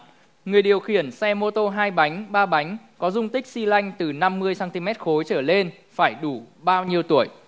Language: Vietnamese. người điều khiển xe mô tô hai bánh ba bánh có dung tích xi lanh từ năm mươi xen ti mét khối trở lên phải đủ bao nhiêu tuổi